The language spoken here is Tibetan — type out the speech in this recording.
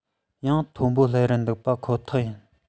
ཡང མཐོ པོ སླེབས རན འདུག པ ཁོ ཐག ཡིན